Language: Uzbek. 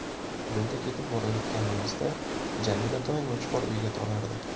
yo'lda ketib borayotganimizda jamila doimo chuqur o'yga tolardi